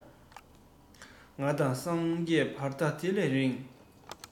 ང དང སངས རྒྱས བར ཐག དེ ལས རིང